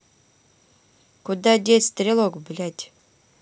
куда деть стрелок блядь